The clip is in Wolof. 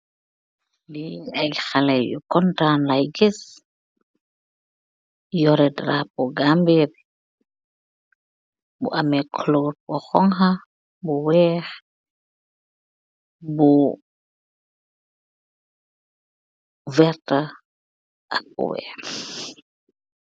Li ayy haleh yu kontann laii kess , yureh drapo bu Gambia bi, bu ahmeh culoor bu honha, weeh , bu werta ak bu hess .